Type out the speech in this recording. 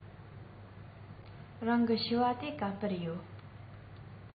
རང གི ཕྱུ པ དེ ག པར ཡོད